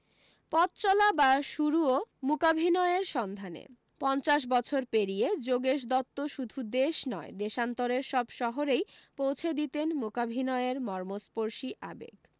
পথ চলা বা শুরুও মূকাভিনয়ের সন্ধানে পঞ্চাশ বছর পেরিয়ে যোগেশ দত্ত শুধু দেশ নয় দেশান্তরের সব শহরেই পৌঁছে দিতেন মূকাভিনয়ের মর্মস্পর্শী আবেগ